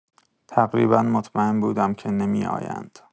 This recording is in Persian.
تقریبا مطمئن بودم که نمی‌آیند.